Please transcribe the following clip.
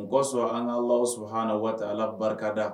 N kɔsɔ an kasɔha waati ala barikada